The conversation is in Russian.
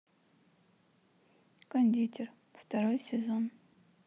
кондитер второй сезон